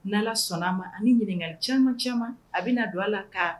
N'Ala sɔnna ma ani ɲininkali caman caman a bɛna don a la kaa